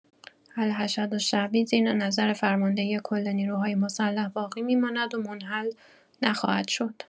الحشد الشعبی زیر نظر فرماندهی کل نیروهای مسلح باقی می‌ماند و منحل نخواهد شد